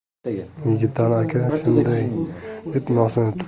yigitali aka shunday deb nosni tupurdi